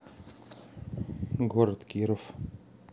город киров